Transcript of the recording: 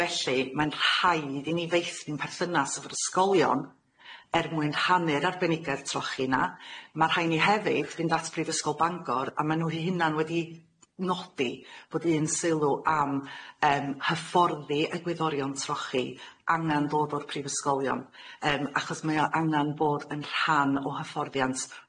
Felly mae'n rhaid i ni feithrin perthynas efo'r ysgolion er mwyn rhannu'r arbenigedd trochi 'na, ma' rhaid ni hefyd fynd at Brifysgol Bangor a ma' nhw eu hunan wedi nodi bod un sylw am yym hyfforddi egwyddorion trochi angan ddod o'r prifysgolion yym achos mae o angan bod yn rhan o hyfforddiant,